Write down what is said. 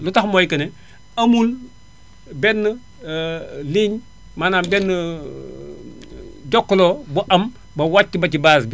li tax mooy que ne amuñ benn ligne maanaam benn jokkaloo bu am ba wàcc ba ci base :fa bi